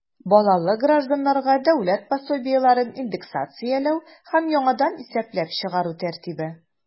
Балалы гражданнарга дәүләт пособиеләрен индексацияләү һәм яңадан исәпләп чыгару тәртибе.